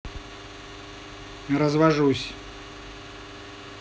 развожусь